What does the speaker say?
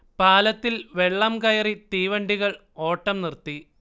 പാലത്തിൽ വെള്ളം കയറി തീവണ്ടികൾ ഓട്ടം നിർത്തി